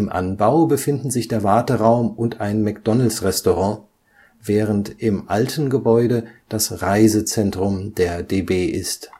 Anbau befinden sich der Warteraum und ein McDonald’ s-Restaurant, während im alten Gebäude das Reisezentrum der DB ist